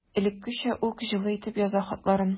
Элеккечә үк җылы итеп яза хатларын.